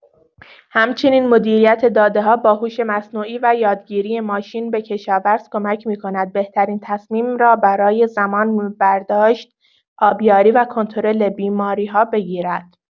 همچنین مدیریت داده‌ها با هوش مصنوعی و یادگیری ماشین به کشاورز کمک می‌کند بهترین تصمیم را برای زمان برداشت، آبیاری و کنترل بیماری‌ها بگیرد.